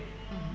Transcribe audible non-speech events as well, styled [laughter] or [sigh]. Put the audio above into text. [hesitation] [hesitation]